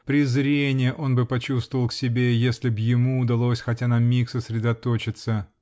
Презрение он бы почувствовал к себе, если б ему удалось хотя на миг сосредоточиться